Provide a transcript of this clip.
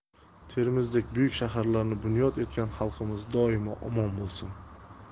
termizdek buyuk shaharlarni bunyod etgan xalqimiz doimo omon bo'lsin